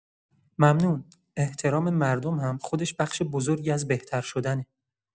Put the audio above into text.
ممنون، احترام مردم هم خودش بخش بزرگی از بهتر شدنه.